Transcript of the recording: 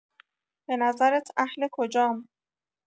بنظرت اهل کجام؟